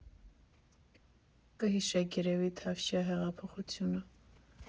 Կհիշեք երևի Թավշյա հեղափոխությունը։